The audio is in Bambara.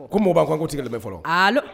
Ko b'a ko n ko t tɛi bɛ fɔlɔ